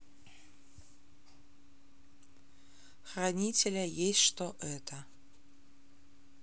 хранителя есть что это